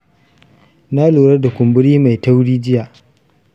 na lura da ƙumburi mai tauri jiya.